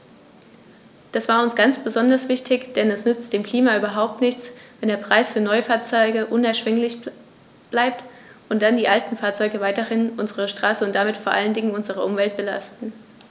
Das war uns ganz besonders wichtig, denn es nützt dem Klima überhaupt nichts, wenn der Preis für Neufahrzeuge unerschwinglich bleibt und dann die alten Fahrzeuge weiterhin unsere Straßen und damit vor allen Dingen unsere Umwelt belasten.